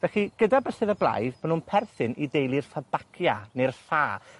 Felly, gyda Bysedd y Blaidd, ma' nw'n perthyn i deulu'r Fabacia, neu'r ffa.